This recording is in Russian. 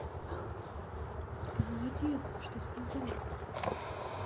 ты молодец что сказал